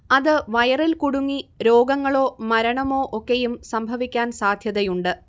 അത് വയറിൽ കുടുങ്ങി രോഗങ്ങളോ മരണമോ ഒക്കെയും സംഭവിക്കാൻ സാധ്യതയുണ്ട്